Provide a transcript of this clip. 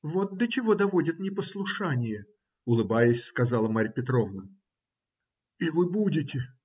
Вот до чего доводит непослушание, - улыбаясь, сказала Марья Петровна. - И вы будете?